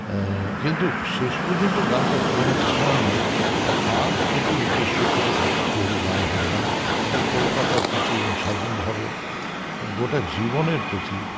এ কিন্তু শেষ পর্যন্ত গানটা ক্রমান্বয়ে তার প্রতি উদ্দেশ্য করে তৈরি গান হলো না এটা কলকাতার প্রতি এবং সাধারণভাবে গোটা জীবনের প্রতি